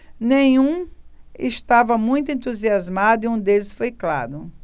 nenhum estava muito entusiasmado e um deles foi claro